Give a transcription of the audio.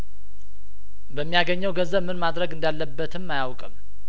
በሚያገኘው ገንዘብ ምን ማድረግ እንዳለበትም አያውቅም